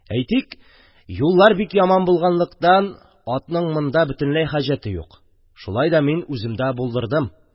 Әйтик, юллар бик яман булганлыктан, атның монда бөтенләй хәҗәте юк, шулай да мин үземдә булдырдым.